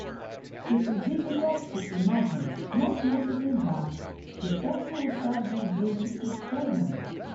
It is difficult to imagine not noticing that the person who served you daily is pregnant.